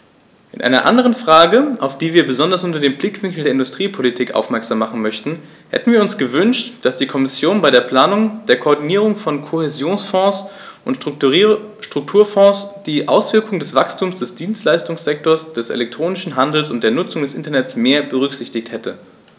In einer anderen Frage, auf die wir besonders unter dem Blickwinkel der Industriepolitik aufmerksam machen möchten, hätten wir uns gewünscht, dass die Kommission bei der Planung der Koordinierung von Kohäsionsfonds und Strukturfonds die Auswirkungen des Wachstums des Dienstleistungssektors, des elektronischen Handels und der Nutzung des Internets mehr berücksichtigt hätte.